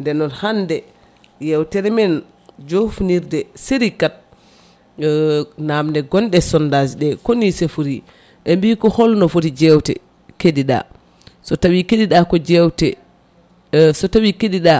nden noon hande yewtere men jofnirde série 4 namde gonɗe sondage ɗe koni sifori ɓe mbi ko holno foti jewte keɗiɗa so tawi kaɗiɗa ko jewte so tawi keɗiɗa